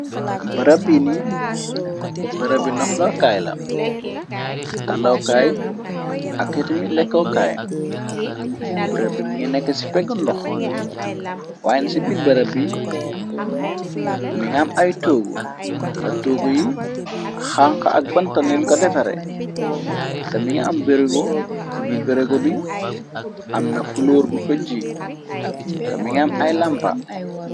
barab yini barab bi noflookaay la dalookaay ak xitimi lekkookaay barab bi minga nekk ci peg ndox waaye n ci biit-barab bi mi nga am ay toogu te toogu yi xanxa ak bantanen ko defare te mi nga am brgo ci biit berego bi amna fuloor bu fëjji te mi nga am ay lampa